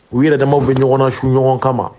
U yɛrɛ dɛmɛw bɛ ɲɔgɔn na su ɲɔgɔn kan